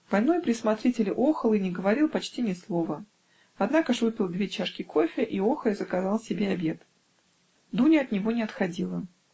Больной при смотрителе охал и не говорил почти ни слова, однако ж выпил две чашки кофе и, охая, заказал себе обед. Дуня от него не отходила.